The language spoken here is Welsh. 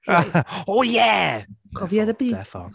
Reit... Oh, yeah. Deffo, deffo.